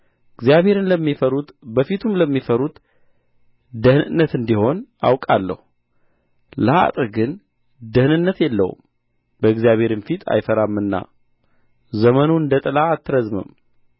እግዚአብሔርን ለሚፈሩት በፊቱም ለሚፈሩት ደኅንነት እንዲሆን አውቃለሁ ለኀጥእ ግን ደኅንነት የለውም በእግዚአብሔርም ፊት አይፈራምና ዘመኑ እንደ ጥላ አትረዝምም